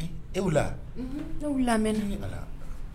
La e lamɛn ne ɲaga